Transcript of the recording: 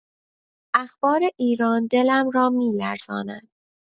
اخبار ایران دلم را می‌لرزاند.